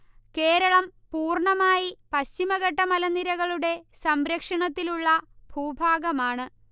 കേരളം പൂർണമായി പശ്ചിമഘട്ട മലനിരകളുടെ സംരക്ഷണത്തിലുള്ള ഭൂഭാഗമാണ്